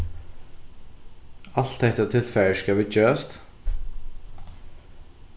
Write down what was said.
alt hetta tilfarið skal viðgerast